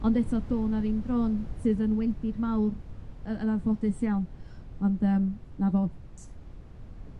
Ond eto do' 'na ddim dron sydd yn wendid mawr yy yn anffodus iawn ond yym na fo.